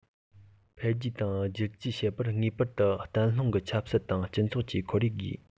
འཕེལ རྒྱས དང བསྒྱུར བཅོས བྱེད པར ངེས པར དུ བརྟན ལྷིང གི ཆབ སྲིད དང སྤྱི ཚོགས ཀྱི ཁོར ཡུག དགོས